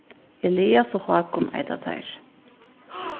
elias og hákun eita teir